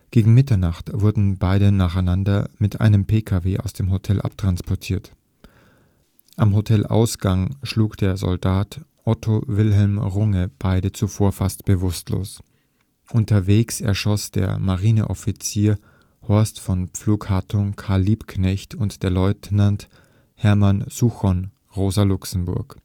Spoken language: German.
Gegen Mitternacht wurden beide nacheinander mit einem PKW aus dem Hotel abtransportiert. Am Hotelausgang schlug der Soldat Otto Wilhelm Runge beide zuvor fast bewusstlos. Unterwegs erschoss der Marineoffizier Horst von Pflugk-Harttung Karl Liebknecht und der Leutnant Hermann Souchon Rosa Luxemburg